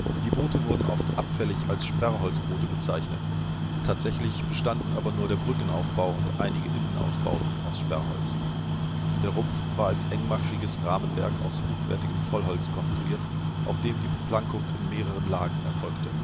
Die Boote wurden oft abfällig als Sperrholzboote bezeichnet. Tatsächlich bestanden nur der Brückenaufbau und einige Innenausbauten aus Sperrholz. Der Rumpf war als engmaschiges Rahmenwerk aus hochwertigem Vollholz konstruiert auf dem die Beplankung in mehreren Lagen erfolgte